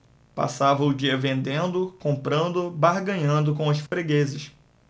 passava o dia vendendo comprando barganhando com os fregueses